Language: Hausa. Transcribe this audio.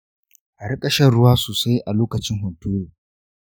a riƙa shan ruwa sosai a lokacin hunturu.